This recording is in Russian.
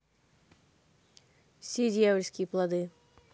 все дьявольские плоды